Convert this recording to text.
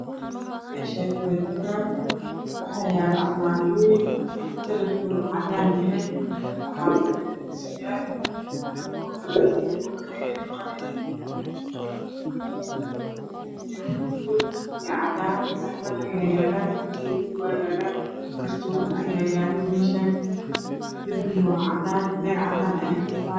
Meeahani waa dukaan waxaa yaalo armaajooyin kalarkodu cadaan yahay waxaa kujir digsiyaaal oo kalaradodu kala yahy qalin gudud iyo cadaan saxanman aaya yaalan kartooman aaya yaalo meahani darbiga waa cadaan laydh cadan ayaa ka ifaayo